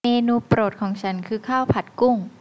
เมนูโปรดของฉันคือข้าวผัดกุ้ง